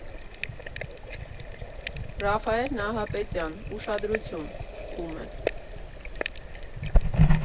Ռաֆայել Նահապետյան «Ուշադրություն, սկսվում է…